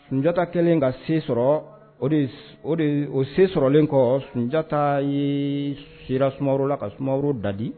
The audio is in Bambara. Sunjatata kɛlen ka sen sɔrɔ de o sen sɔrɔlen kɔ sunjatajatata ye sira sumaworo la ka sumaworo dadi